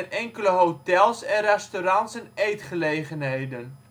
enkele hotels en restaurants/eetgelegenheden